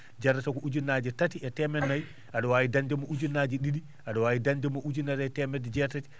jarata ko ujunnaje tati e temet nayi aɗa waawi dañde mo ujunnaje ɗiɗi aɗa waawi dañde mo ujunere e temedde jeetati